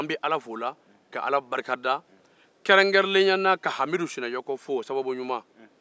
an bɛ ala fo k'a barikada kɛrɛnkɛrɛnnenya la ka hamidu qsinayɔkɔ fo